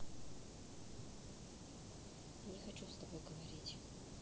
я не хочу с тобой говорить